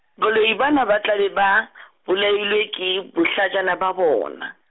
baloi bana ba tla be ba , bolailwe ke bohlajana ba bona.